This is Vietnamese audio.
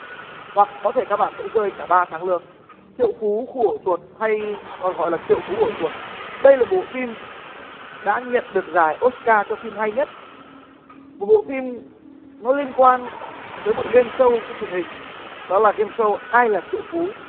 hoặc có thể các bạn sẽ rơi cả ba tháng lương triệu phú khu ổ chuột hay còn gọi là triệu phú ổ chuột đây là bộ phim đã nhận được giải ốt ca cho phim hay nhất một bộ phim nó liên quan tới một ghêm sâu trên truyền hình đó là ghêm sâu ai là triệu phú